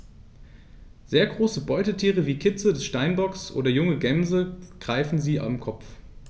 Sehr große Beutetiere wie Kitze des Steinbocks oder junge Gämsen greifen sie am Kopf.